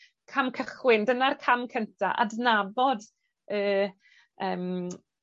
cam cychwyn, dyna'r cam cynta, adnabod y yym